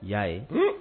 I y'a ye